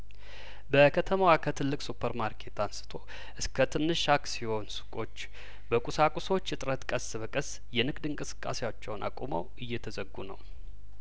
በከተማዋ ከትልቅ ሱፐር ማርኬት አንስቶ እስከትንሽ አክስዮን ሱቆች በቁሳቁሶች እጥረት ቀስ በቀስ የንግድ እንቅስቃሴያቸውን አቁመው እየተዘጉ ነው